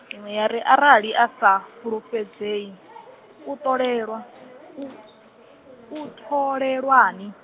i nwe ya ri arali a sa fulufhedzei , u tolelwa-, u, u tholelwani.